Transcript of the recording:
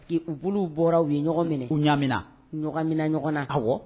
U bolo bɔra u ye ɲɔgɔn minɛ u ɲamina ɲɔgɔnmina ɲɔgɔn na ka wa